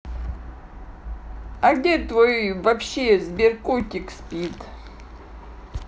а где твой вообще сбер котик спит